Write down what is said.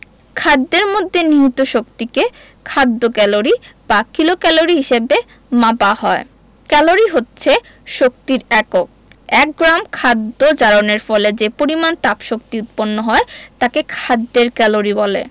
খাদ্যের মধ্যে নিহিত শক্তিকে খাদ্য ক্যালরি বা কিলোক্যালরি হিসেবে মাপা হয় ক্যালরি হচ্ছে শক্তির একক এক গ্রাম খাদ্য জারণের ফলে যে পরিমাণ তাপশক্তি উৎপন্ন হয় তাকে খাদ্যের ক্যালরি বলে